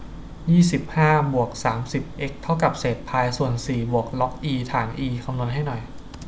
ยี่สิบห้าบวกสามสิบเอ็กซ์เท่ากับเศษพายส่วนสี่บวกล็อกอีฐานอีคำนวณให้หน่อย